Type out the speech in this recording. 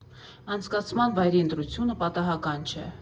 Անցկացման վայրի ընտրությունը պատահական չէ.